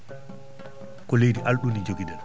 ko leydi alɗu ndi jogiɗen